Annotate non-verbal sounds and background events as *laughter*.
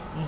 *hesitation* *hesitation*